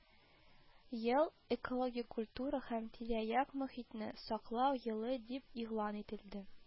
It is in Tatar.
Ел экологик культура һәм тирә як мохитне саклау елы дип игълан ителде